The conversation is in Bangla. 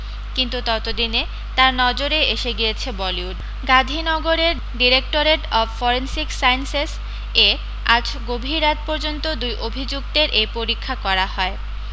কিন্তু তত দিনে তার নজরে এসে গিয়েছে বলিউড গাঁধীনগরের ডিরেকটরেট অফ ফরেন্সিক সায়েন্সেস এ আজ গভীর রাত পর্যন্ত দুই অভি্যুক্তের এই পরীক্ষা করা হয়